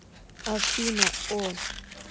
афина о